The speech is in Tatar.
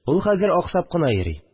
Ул хәзер аксап кына йөри